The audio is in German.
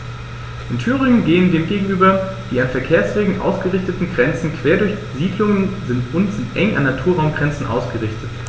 In Thüringen gehen dem gegenüber die an Verkehrswegen ausgerichteten Grenzen quer durch Siedlungen und sind eng an Naturraumgrenzen ausgerichtet.